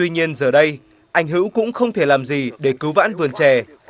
tuy nhiên giờ đây anh hữu cũng không thể làm gì để cứu vãn vườn chè